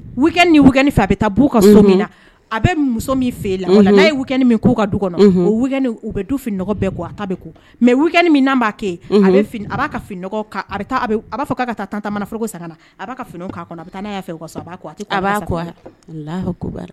Ni fɛ a bɛ taa ka so min na a bɛ muso min fɛ la n'a ye min' ka du kɔnɔ o u bɛ du f bɛɛ a mɛ min' b'a kɛ a'a fini b'a fɔ ka taa tan tamana nafolo ko san a b'a fini kɔnɔ a bɛ taa n' a a